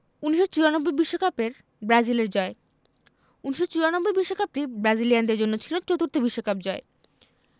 ১৯৯৪ বিশ্বকাপের ব্রাজিলের জয় ১৯৯৪ বিশ্বকাপটি ব্রাজিলিয়ানদের জন্য ছিল চতুর্থ বিশ্বকাপ জয়